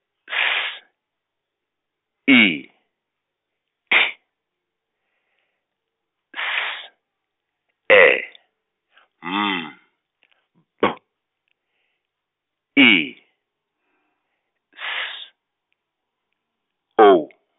S I T S E M B I S O.